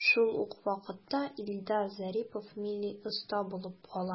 Шул ук вакытта Илдар Зарипов милли оста булып кала.